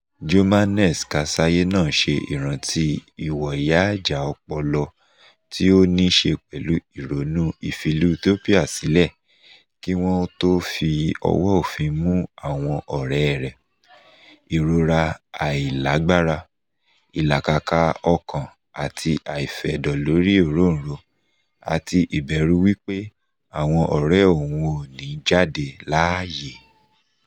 Jomanex Kasaye náà ṣe ìrántí ìwàyáìjà ọpọlọ tí ó ní í ṣe pẹ̀lú ìrònú ìfìlú Ethiopia sílẹ̀ kí wọ́n ó tó fi ọwọ́ òfin mú àwọn ọ̀rẹ́ẹ rẹ̀ — ìrora àìlágbára — ìlàkàkà ọkàn àti àìfẹ̀dọ̀lórí òróòró àti ìbẹ̀rù wípé àwọn ọ̀rẹ́ òhun ò ní jáde láàyè.